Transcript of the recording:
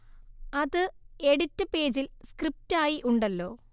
അത് എഡിറ്റ് പേജിൽ സ്ക്രിപ്റ്റ് ആയി ഉണ്ടല്ലോ